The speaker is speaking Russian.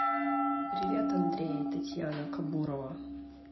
привет андрей татьяна камбурова